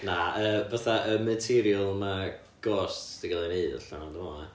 na yy fatha y material ma' ghosts 'di gael ei neud allan o dwi meddwl ia